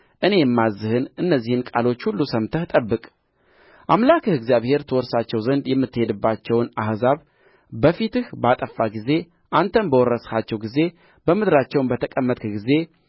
እኔ የማዝዝህን እነዚህን ቃሎች ሁሉ ሰምተህ ጠብቅ አምላክህ እግዚአብሔር ትወርሳቸው ዘንድ የምትሄድባቸውን አሕዛብን በፊትህ ባጠፋ ጊዜ አንተም በወረስሃቸው ጊዜ በምድራቸውም በተቀመጥህ ጊዜ